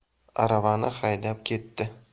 aravani haydab ketdi